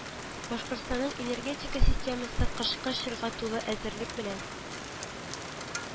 Башкортстанның энергетика системасы кышкы чорга тулы әзерлек белән